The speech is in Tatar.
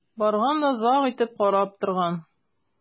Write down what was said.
Барган да озак итеп карап торган.